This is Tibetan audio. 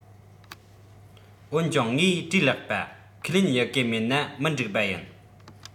འོན ཀྱང ངས བྲིས ལེགས པ ཁས ལེན ཡི གེ མེད ན མི འགྲིག པ ཡིན